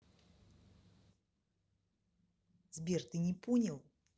сбер ты не понял